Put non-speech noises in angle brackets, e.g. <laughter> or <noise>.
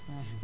<hesitation> <hesitation>